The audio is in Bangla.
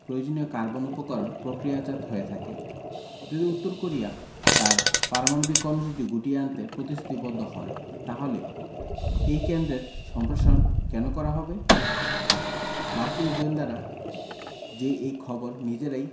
প্রয়োজনীয় কার্বন উপকরণ প্রক্রিয়াজাত হয়ে থাকে যদি উত্তর কোরিয়া তার পারমাণবিক কর্মসূচি গুটিয়ে আনতে প্রতিশ্রুতিবদ্ধ হয় তাহলে এই কেন্দ্রের সম্প্রসারণ কেন করা হবে মার্কিন গোয়েন্দারা যে এই খবর নিজেরাই